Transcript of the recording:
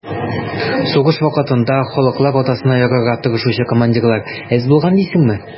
Сугыш вакытында «халыклар атасына» ярарга тырышучы командирлар әз булган дисеңме?